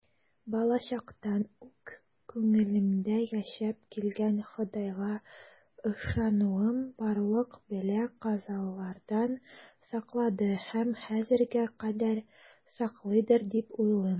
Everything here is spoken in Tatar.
Балачактан ук күңелемдә яшәп килгән Ходайга ышануым барлык бәла-казалардан саклады һәм хәзергә кадәр саклыйдыр дип уйлыйм.